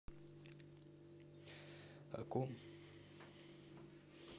о ком